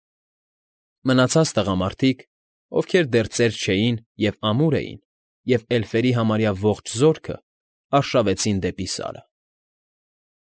Մնացած տղամարդիկ, ովքեր դեռ ծեր չէին ու ամուր էին, և էլֆերի համարյա ողջ զորքը արշավեցին դեպի Սարը։